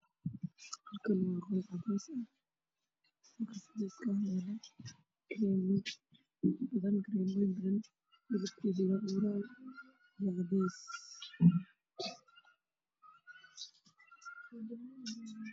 Waxaa ii muuqda kareen caadada ku jiraan oo midabkoodi yahay cadaan iyo jaalo oo is darsaaran